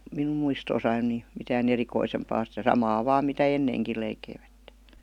minun muistoissani niin mitään erikoisempaa sitä samaa vain mitä ennenkin leikkivät